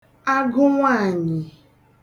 agụ nwaànyị̀